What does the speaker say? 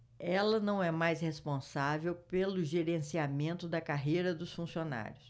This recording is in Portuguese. ela não é mais responsável pelo gerenciamento da carreira dos funcionários